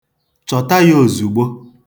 Chọta ya ozugbo.